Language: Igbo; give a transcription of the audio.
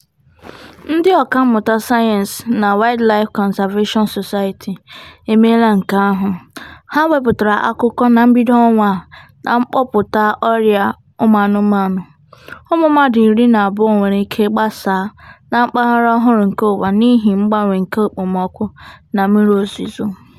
Ndị ọkàmmụta sayensị na Wildlife Conservation Society (WCS) emeela nke ahụ - ha wepụtara akụkọ na mbido ọnwa a na-akpọpụta ọrịa ụmụanụmanụ-ụmụ mmadụ 12 nwere ike gbasaa na mpaghara ọhụrụ nke ụwa n'ihi mgbanwe nke okpomọkụ na mmiri ozuzo.